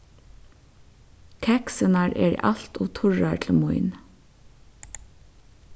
keksirnar eru alt ov turrar til mín